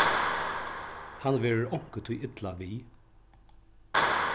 hann verður onkuntíð illa við